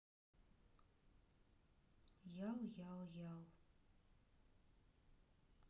ял ял ял